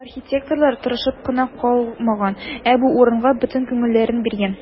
Архитекторлар тырышып кына калмаган, ә бу урынга бөтен күңелләрен биргән.